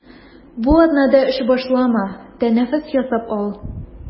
Бу атнада эш башлама, тәнәфес ясап ал.